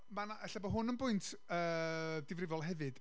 ma' 'na ella bod hwn yn bwynt yy difrifol hefyd.